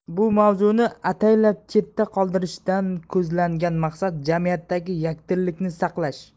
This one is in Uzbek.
bu mavzuni ataylab chetda qoldirishdan ko'zlangan maqsad jamiyatdagi yakdillikni saqlash